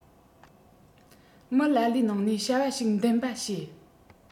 མི ལ ལས ནང ནས བྱ བ ཞིག འདེམས པ བྱེད